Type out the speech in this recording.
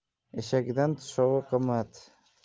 eshagidan tushovi qimmat